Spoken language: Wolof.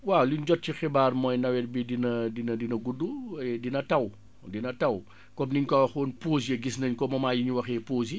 waaw li ñu jot ci xibaar mooy nawet bi dina dina dina gudd dina taw dina taw comme ni ñu ko waxoon pause yi gis nañu ko moment :fa yi ñu waxee pauses yi